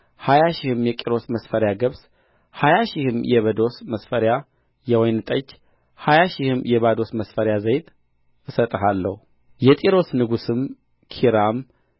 ሀያ ሺህ የቆሮስ መስፈሪያ የተበጠረ ስንዴ ሀያ ሺህም የቆሮስ መስፈሪያ ገብስ ሀያ ሺህም የባዶስ መስፈሪያ የወይን ጠጅ ሀያ ሺህም የባዶስ መስፈሪያ ዘይት እሰጣለሁ የጢሮስ ንጉሥም ኪራም